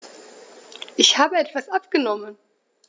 Ich habe etwas abgenommen.